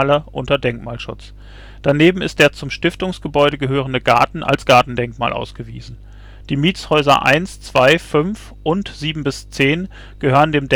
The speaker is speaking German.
unter Denkmalschutz. Daneben ist der zum Stiftungsgebäude gehörende Garten als Gartendenkmal ausgewiesen. Die Mietshäuser 1, 2, 5 und 7-10 gehören dem Denkmalensemble